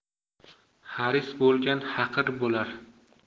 haris bo'lgan haqir bo'lar